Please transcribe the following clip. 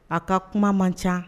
A ka kuma man ca